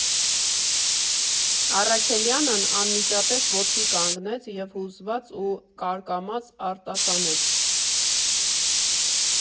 Առաքելյանն անմիջապես ոտքի կանգնեց և հուզված ու կարկամած արտասանեց.